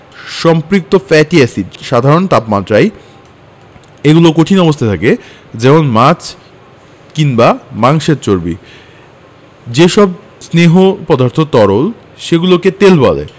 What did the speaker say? সম্পৃক্ত fatty acid সাধারণ তাপমাত্রায় এগুলো কঠিন অবস্থায় থাকে যেমন মাছ কিংবা মাংসের চর্বি যেসব স্নেহ পদার্থ তরল সেগুলোকে তেল বলে